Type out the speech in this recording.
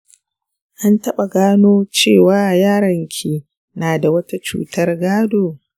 an taɓa gano cewa yaron ki na da wata cutar gado?